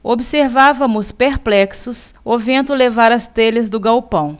observávamos perplexos o vento levar as telhas do galpão